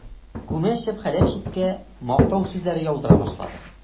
Күмәчев Хәләфчиккә мактау сүзләре яудыра башлады.